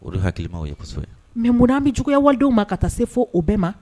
O de hakilima ye kosɛbɛ mɛ mun anan bɛ juguyaya waledenw ma ka taa se fɔ o bɛɛ ma